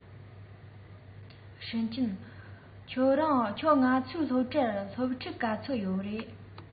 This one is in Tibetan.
ཝུན ཅུན ཁྱོད རང ཚོའི སློབ གྲྭར སློབ ཕྲུག ག ཚོད ཡོད རེད